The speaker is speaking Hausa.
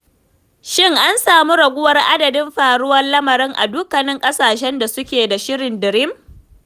Shin an samu raguwar adadin faruwar lamarin a dukkanin ƙasashen da suke da shirin DREAM?